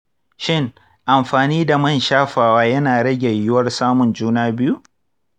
shin amfani da man shafawa yana rage yiwuwar samun juna biyu?